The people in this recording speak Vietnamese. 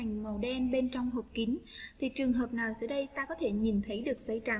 màu đen bên trong hộp kín thị trường hợp nào dưới đây ta có thể nhìn thấy được giấy trắng